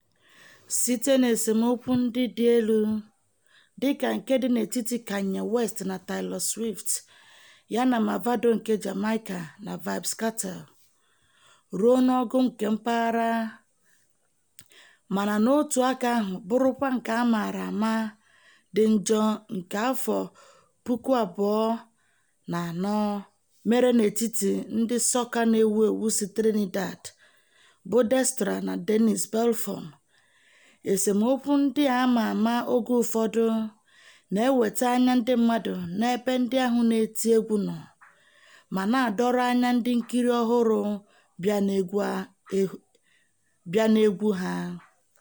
Site n'esemokwu ndị dị elu dịka nke dị n'etiti Kanye West na Taylor Swift yana Mavado nke Jamaica na Vybz Kartel, ruo n'ọgụ kempaghara mana n’otu aka ahụ bụrụkwa nke a mara ama dị njọ nke 2004 mere n’etiti ndị sọka na-ewu ewu si Trinidad bụ Destra na Denise Belfon, esemokwu ndị a ma ama oge ụfọdụ na-eweta anya ndị mmadụ n’ebe ndị ahụ na-eti egwu nọ ma na-adọrọ anya ndị nkiri ọhụrụ bịa n’egwu ha.